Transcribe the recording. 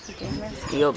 iyo merci